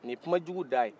ni ye kuma jugu dans